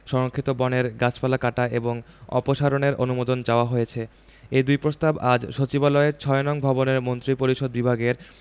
সংরক্ষিত বনের গাছপালা কাটা এবং অপসারণের অনুমোদন চাওয়া হয়েছে এ দুই প্রস্তাব আজ সচিবালয়ের ৬ নং ভবনের মন্ত্রিপরিষদ বিভাগের